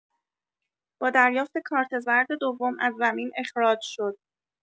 با دریافت کارت زرد دوم از زمین اخراج شد